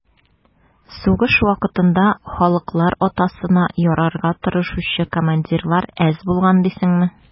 Сугыш вакытында «халыклар атасына» ярарга тырышучы командирлар әз булган дисеңме?